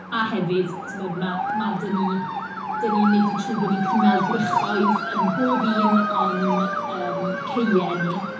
A hefyd, timod, ma' ma' 'da ni... dan ni'n wneud yn siŵr bo' ni'n cynnal gwrychoedd yn bob un o'n, yym, caeau ni.